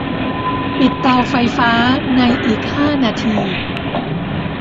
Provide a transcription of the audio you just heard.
ปิดเตาไฟฟ้าในอีกห้านาที